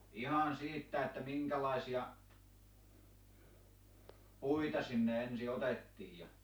ihan siitä että minkälaisia puita sinne ensin otettiin ja